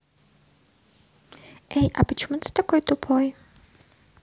эй а почему ты такой тупой